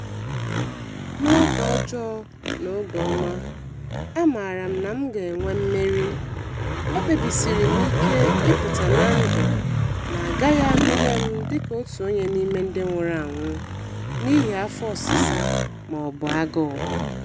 N'oge ọjọọ na oge ọma, a maara m na aga m enwe mmeri, ekpebisiri m ike ịpụta na ndụ na agaghị agụnye m dịka otu onye n'ime ndị nwụrụ anwụ n'ihi afọ ọsịsa maọbụ agụụ.